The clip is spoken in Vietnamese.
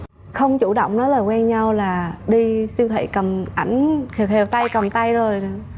không chủ động nói là quen nhau là đi siêu thị cầm ảnh khè khè tay cầm tay thôi